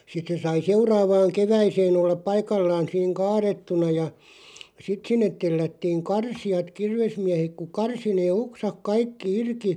sitten se sai seuraavaan keväiseen olla paikallaan siinä kaadettuna ja sitten sinne tellättiin karsijat kirvesmiehet kun karsi ne oksat kaikki irti